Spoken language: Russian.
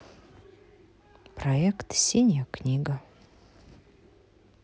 проект синяя книга